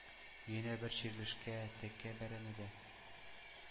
Өенә бер чирләшкә тәкә бәрәне дә